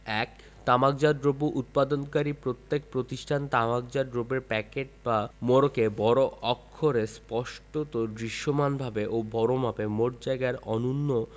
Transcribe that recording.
১ তামাকজাত দ্রব্য উৎপাদনকারী প্রত্যক প্রতিষ্ঠান তামাকজাত দ্রব্যের প্যাকেট বা মোড়কে বড় অক্ষরে স্পষ্টত দৃশ্যমানভাবে ও বড়মাপে মোট জায়গার অনূন্য